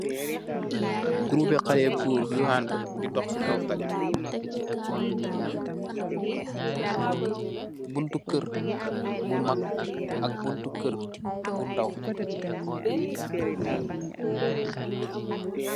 Gurub bi xaléé Goor, yu handë di dox si kow tali bi.